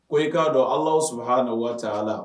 Ko i k'a dɔn Alahu subahana watala